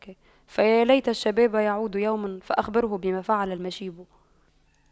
فيا ليت الشباب يعود يوما فأخبره بما فعل المشيب